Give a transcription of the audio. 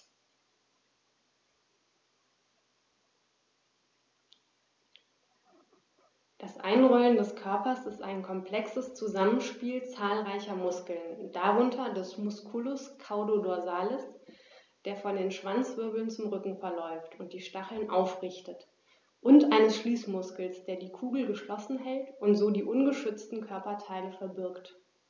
Das Einrollen des Körpers ist ein komplexes Zusammenspiel zahlreicher Muskeln, darunter des Musculus caudo-dorsalis, der von den Schwanzwirbeln zum Rücken verläuft und die Stacheln aufrichtet, und eines Schließmuskels, der die Kugel geschlossen hält und so die ungeschützten Körperteile verbirgt.